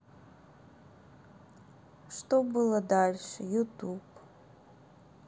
что было дальше ютуб